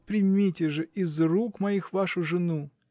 Примите же из рук моих вашу жену